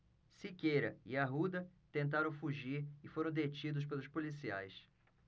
siqueira e arruda tentaram fugir e foram detidos pelos policiais